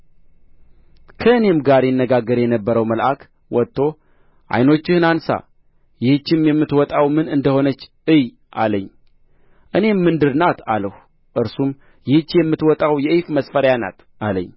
ከእኔም ጋር ይነጋገር የነበረው መልአክ ወጥቶ ዓይኖችህን አንሣ ይህችም የምትወጣው ምን እንደ ሆነች እይ አለኝ እኔም ምንድር ናት አልሁ እርሱም ይህች የምትወጣው የኢፍ መስፈሪያ ናት አለኝ